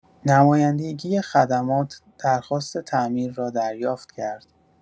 نمایندگی خدمات درخواست تعمیر را دریافت کرد.